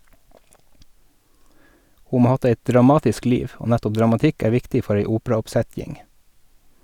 Ho må ha hatt eit dramatisk liv, og nettopp dramatikk er viktig for ei operaoppsetjing.